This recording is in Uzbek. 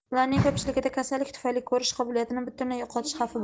ularning ko'pchiligida kasallik tufayli ko'rish qobiliyatini butunlay yo'qotish xavfi bor